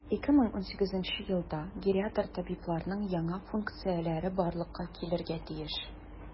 2018 елда гериатр табибларның яңа функцияләре барлыкка килергә тиеш.